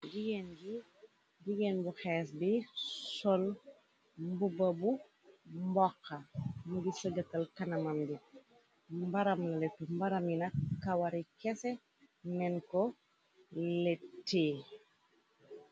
jigeen bu xees bi sol mbu ba bu mboxa mugi sojakal kanamam bi mbaramlale tu mbaram ina kawari kese nen ko lettii